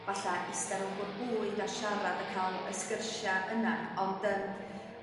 falla iste rown bwr bwyd a siarad a cael y sgyrsia' yna ond yym